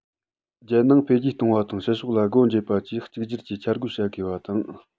རྒྱལ ནང འཕེལ རྒྱས གཏོང བ དང ཕྱི ཕྱོགས ལ སྒོ འབྱེད པ བཅས གཅིག གྱུར གྱིས འཆར འགོད བྱ དགོས པ དང